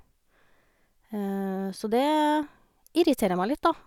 Så det irriterer meg litt, da.